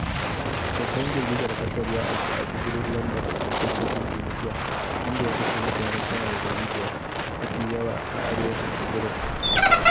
2018: Babban girgizar kasar ya auku a tsibirin Lombok dake Indonesiya, inda ya kashe mutane sama da 500, mafi yawa a arewacin tsibirin.